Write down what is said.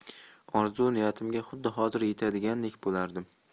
orzu niyatimga xuddi hozir yetadigandek bo'lardim